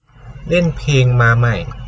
เล่นเพลงมาใหม่